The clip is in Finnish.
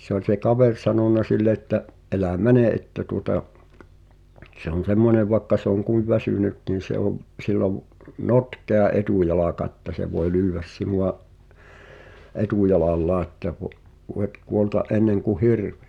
mutta se oli se kaveri sanonut sille että älä mene että tuota se on semmoinen vaikka se on kuinka väsynyt niin se on sillä on notkea etujalka että se voi lyödä sinua etujalallaan että - voit kuolla ennen kuin hirvi